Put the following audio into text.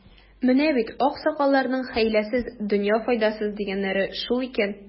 Менә бит, аксакалларның, хәйләсез — дөнья файдасыз, дигәннәре шул икән.